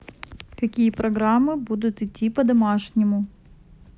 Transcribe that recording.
какие программы будут идти по домашнему